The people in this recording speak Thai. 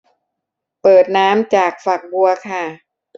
เปิดน้ำจากฝักบัวค่ะ